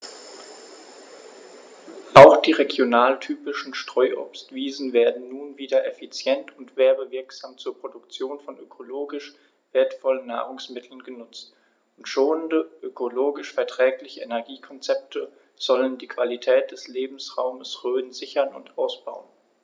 Auch die regionaltypischen Streuobstwiesen werden nun wieder effizient und werbewirksam zur Produktion von ökologisch wertvollen Nahrungsmitteln genutzt, und schonende, ökologisch verträgliche Energiekonzepte sollen die Qualität des Lebensraumes Rhön sichern und ausbauen.